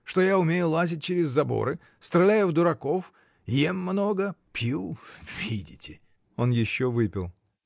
Что я умею лазить через заборы, стреляю в дураков, ем много, пью. видите!. Он еще выпил.